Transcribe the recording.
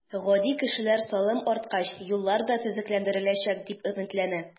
Гади кешеләр салым арткач, юллар да төзекләндереләчәк, дип өметләнә.